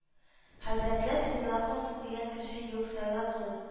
Хәзрәтләр сайланмасын дигән кеше юк сайлансын